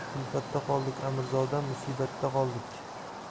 kulfatda qoldik amirzodam musibatda qoldik